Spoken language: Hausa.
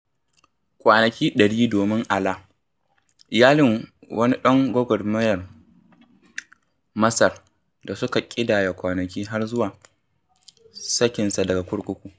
Kwanaki 100 domin Alaa: Iyalin wani ɗan gwagwarmayar Masar da suke ƙidaya kwanaki har zuwa sakinsa daga kurkuku.